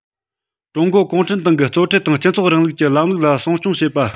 ཀྲུང གོ གུང ཁྲན ཏང གི གཙོ ཁྲིད དང སྤྱི ཚོགས རིང ལུགས ཀྱི ལམ ལུགས ལ སྲུང སྐྱོང བྱེད པ